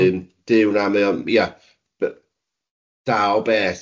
Wedyn, Duw na, mae o'n... ia, da o beth